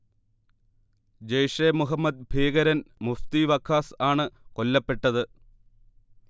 ജെയ്ഷെ മുഹമ്മദ് ഭീകരൻ മുഫ്തി വഖാസ് ആണ് കൊല്ലപ്പെട്ടത്